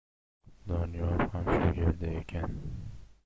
doniyor ham shu yerda ekan